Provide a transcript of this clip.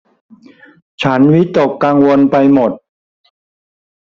ฉันวิตกกังวลไปหมด